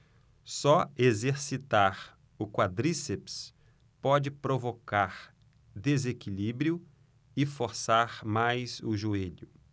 só exercitar o quadríceps pode provocar desequilíbrio e forçar mais o joelho